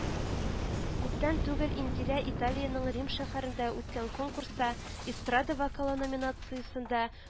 Күптән түгел Инзилә Италиянең Рим шәһәрендә үткән конкурста «Эстрада вокалы» номинациясендә